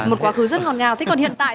một quá khứ rất ngọt ngào thế còn hiện tại